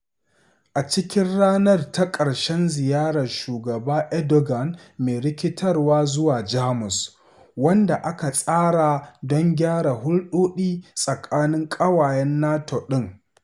A cikin ranarta ta ƙarshen ziyarar Shugaba Erdogan mai rikitarwa zuwa Jamus - wanda aka tsara don gyara hulɗoɗi tsakanin ƙawayen NATO din.